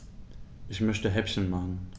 Ich möchte Häppchen machen.